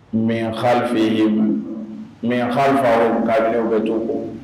Mɛ kalfihim mɛ kalfahum